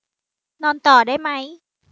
นอนต่อได้มั้ย